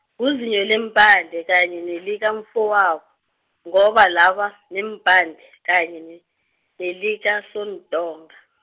nguzinyo leempande kanye nelikamfowabo, ngoba laba neempande , kanye, ne- nelikaSoNtonga .